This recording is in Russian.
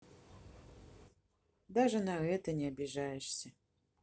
даже на это не обижаешься